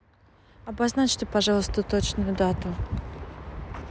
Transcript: обозначьте пожалуйста точную дату